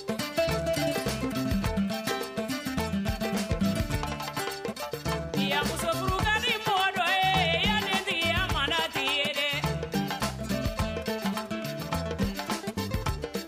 San y ya musodi wa ye yatigi ma tile